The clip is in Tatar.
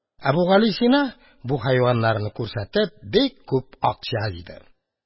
Әбүгалисина, бу хайваннарны күрсәтеп, бик күп акча җыйды.